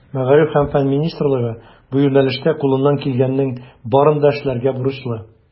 Мәгариф һәм фән министрлыгы бу юнәлештә кулыннан килгәннең барын да эшләргә бурычлы.